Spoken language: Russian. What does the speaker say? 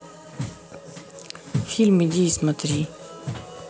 фильм иди и смотри